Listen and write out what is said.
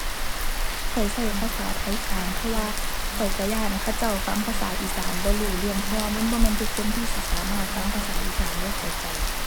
ข้อยใช้ภาษาไทยกลาง เพราะว่าข้อยใช้ย้านเขาเจ้าฟังภาษาอีสานบ่รู้เรื่อง เพราะว่ามันบ่แม่นทุกคนที่สิสามารถฟังภาษาอีสานแล้วเข้าใจ